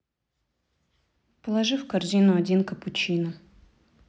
положи в корзину один капучино